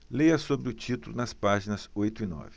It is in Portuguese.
leia sobre o título nas páginas oito e nove